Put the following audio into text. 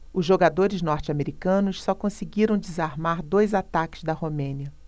os jogadores norte-americanos só conseguiram desarmar dois ataques da romênia